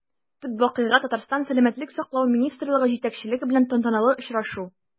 Төп вакыйга – Татарстан сәламәтлек саклау министрлыгы җитәкчелеге белән тантаналы очрашу.